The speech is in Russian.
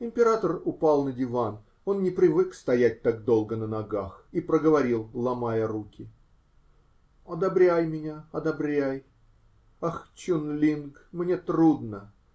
Император упал на диван -- он не привык стоять так долго на ногах -- и проговорил, ломая руки: -- Одобряй меня, одобряй. Ах, Чун-Линг, мне трудно.